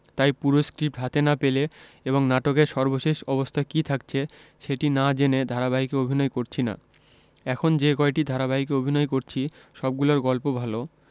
তাই পুরো স্ক্রিপ্ট হাতে না পেলে এবং নাটকের সর্বশেষ অবস্থা কী থাকছে সেটি না জেনে ধারাবাহিকে অভিনয় করছি না এখন যে কয়টি ধারাবাহিকে অভিনয় করছি সবগুলোর গল্প ভালো